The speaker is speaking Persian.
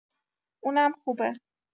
اونم خوبه